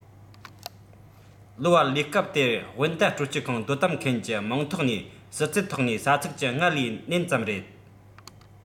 ལོ བར ལས སྐབས དེར དབན ཏ སྤྲོ སྐྱིད ཁང དོ དམ མཁན གྱི མིང ཐོག ནས ཟུར ཚད ཐོག ནས ས ཚིགས ཀྱི སྔར ལས ནན ཙམ རེད